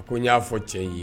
Ko n ya fɔ cɛn in ye